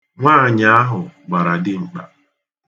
Nwaanyị ahụ gbara dimkpa.